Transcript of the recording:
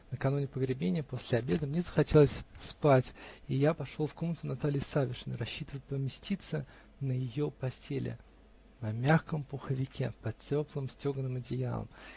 Накануне погребения, после обеда, мне захотелось спать, и я пошел в комнату Натальи Савишны, рассчитывая поместиться на ее постели, на мягком пуховике, под теплым стеганым одеялом.